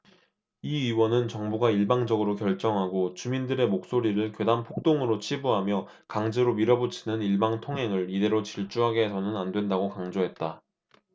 이 의원은 정부가 일방적으로 결정하고 주민들의 목소리를 괴담 폭동으로 치부하며 강제로 밀어붙이는 일방통행을 이대로 질주하게 해서는 안 된다고 강조했다